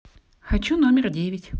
хочу номер девять